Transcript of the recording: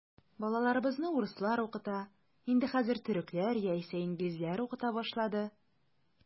Балаларыбызны урыслар укыта, инде хәзер төрекләр яисә инглизләр укыта башлады.